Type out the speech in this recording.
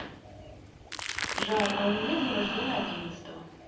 жаль а у меня день рождения одиннадцатого